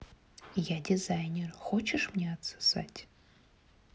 я дизайнер хочешь мне отсосать